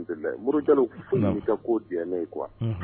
Murulo ka ko diɲɛ ye kuwa